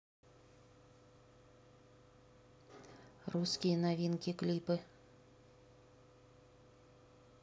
русские новинки клипы